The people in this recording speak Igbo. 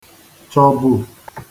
-chọ̀bù